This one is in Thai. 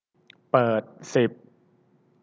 เปิดสิบ